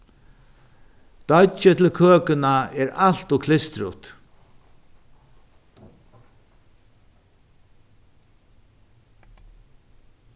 deiggið til køkuna er alt ov klistrut